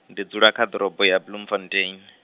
ndi dzula kha ḓorobo ya Bloemfontein.